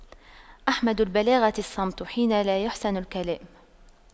أحمد البلاغة الصمت حين لا يَحْسُنُ الكلام